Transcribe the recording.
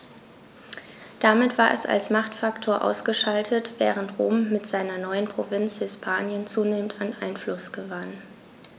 Damit war es als Machtfaktor ausgeschaltet, während Rom mit seiner neuen Provinz Hispanien zunehmend an Einfluss gewann.